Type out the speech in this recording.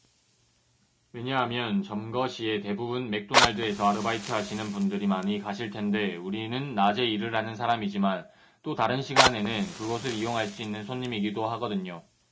왜냐하면 점거 시에 대부분 맥도날드에서 아르바이트하시는 분들이 많이 가실 텐데 우리는 낮에 일을 하는 사람이지만 또 다른 시간에는 그곳을 이용할 수 있는 손님이기도 하거든요